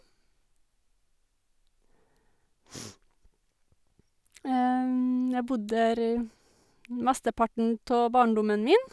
Jeg bodde der mesteparten tå barndommen min.